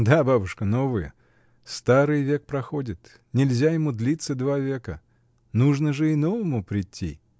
— Да, бабушка, новые; старый век проходит. Нельзя ему длиться два века. Нужно же и новому прийти!